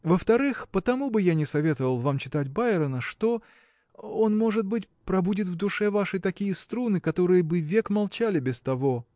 Во-вторых, потому бы я не советовал вам читать Байрона, что. он может быть пробудит в душе вашей такие струны которые бы век молчали без того.